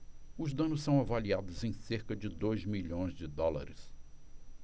os danos são avaliados em cerca de dois milhões de dólares